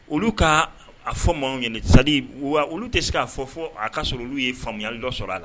Olu ka a fɔ ma ɲini sa wa olu tɛ se k'a fɔ a ka sɔrɔ olu ye faamuyamuyali dɔ sɔrɔ a la